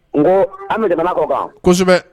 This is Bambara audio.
N koo an bɛ jamana kɔ kan kosɛbɛ